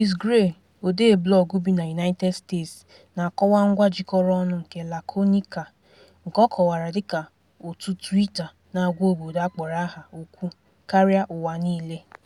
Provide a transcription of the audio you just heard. Louis Gray, odee blọọgụ bi na United States, na-akọwa ngwa jikọrọ ọnụ nke Laconi.ca, nke ọ kọwara dịka "òtù Twitter" - na-agwa obodo a kpọrọ aha okwu karịa ụwa niile.